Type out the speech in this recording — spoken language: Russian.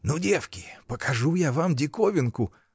— Ну, девки, покажу я вам диковину!